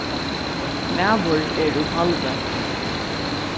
maður er í talvi